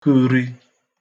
kəri